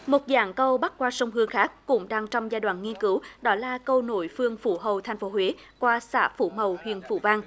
một dạng cầu bắc qua sông hương khác cũng đang trong giai đoạn nghiên cứu đó là câu nổi phương phủ hầu thành phố huế qua xã phú mậu huyện phú vàng